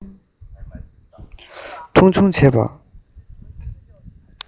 མཐོང ཆུང བྱེད པ